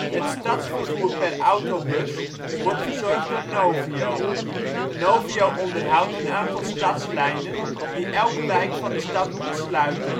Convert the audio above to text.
Het stadsvervoer per autobus wordt verzorgd door Novio. Novio onderhoudt een aantal stadslijnen die elke wijk van de stad ontsluiten